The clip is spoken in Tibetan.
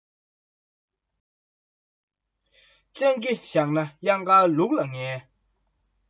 ཁྱི ཡིས མི ལ རྨྱུག པ ཡིན མི ཞུ